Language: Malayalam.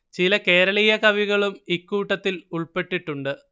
ചില കേരളീയ കവികളും ഇക്കൂട്ടത്തിൽ ഉൾപ്പെട്ടിട്ടുണ്ട്